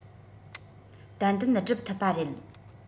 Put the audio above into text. ཏན ཏན སྒྲུབ ཐུབ པ རེད